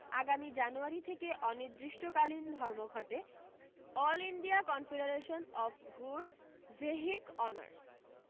আগামী জানুয়ারি থেকে অনির্দিষ্টকালীন ধর্মঘটে অনড় all India confederation of goods vehicle honours